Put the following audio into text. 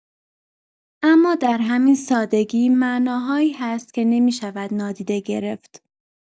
اما در همین سادگی معناهایی هست که نمی‌شود نادیده گرفت.